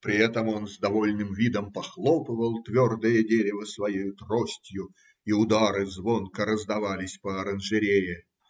При этом он с довольным видом похлопывал твердое дерево своею тростью, и удары звонко раздавались по оранжерее.